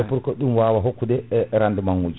pour que ɗum wawa hokkude rendement uji